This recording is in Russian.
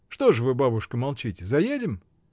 — Что же вы, бабушка, молчите: заедем?